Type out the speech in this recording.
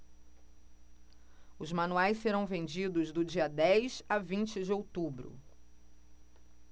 os manuais serão vendidos do dia dez a vinte de outubro